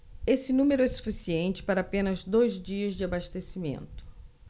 esse número é suficiente para apenas dois dias de abastecimento